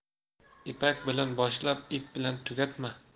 ipakbilan boshlab ip bilan tugatma